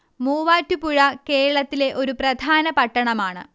മൂവാറ്റുപുഴ കേരളത്തിലെ ഒരു പ്രധാന പട്ടണമാണ്